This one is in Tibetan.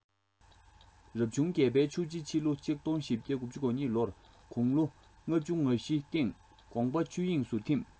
རབ བྱུང བརྒྱད པའི ཆུ བྱི ཕྱི ལོ ༡༤༩༢ ལོར དགུང ལོ ལྔ བཅུ ང བཞིའི སྟེང དགོངས པ ཆོས དབྱིངས སུ འཐིམས